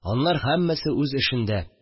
Аннар һәммәсе үз эшендә